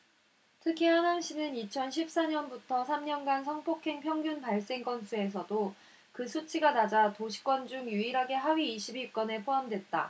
특히 하남시는 이천 십 사 년부터 삼 년간 성폭행 평균 발생 건수에서도 그 수치가 낮아 도시권 중 유일하게 하위 이십 위권에 포함됐다